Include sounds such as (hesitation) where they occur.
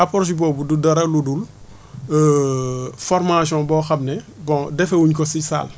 approche boobu du dara lu dul (breath) (hesitation) formation boo xam ne bon defee wuñ ko si salle